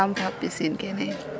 xa paam xa pisiin kene yiin?